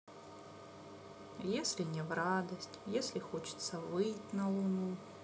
если не в радость если хочется выть на луну